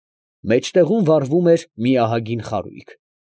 Մեջտեղում վառվում էր մի ահագին խարույկ։